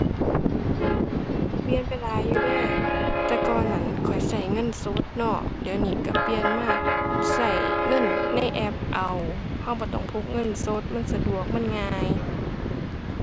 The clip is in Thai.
ก็เปลี่ยนไปหลายอยู่เดะ แต่ก่อนนั้นข้อยก็เงินสดเนาะ เดี๋ยวนี้ก็เปลี่ยนมาก็เงินในแอปเอา ก็บ่ต้องพกเงินสด มันสะดวก มันง่าย